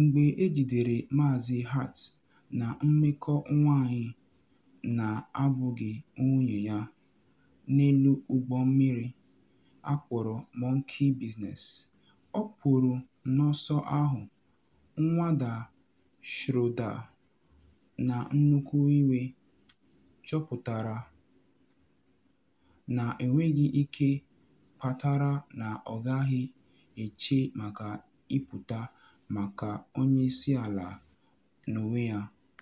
mgbe ejidere Maazị Hart na mmekọ nwanyị na abụghị nwunye ya n’elu ụgbọ mmiri akpọrọ Monkey Business, ọ pụrụ n’ọsọ ahụ, Nwada Schroeder, na nnukwu iwe, chọpụtara na enweghị ihe kpatara na ọ gaghị eche maka ịpụta maka onye isi ala n’onwe ya.